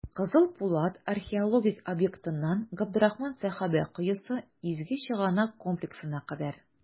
«кызыл пулат» археологик объектыннан "габдрахман сәхабә коесы" изге чыганак комплексына кадәр.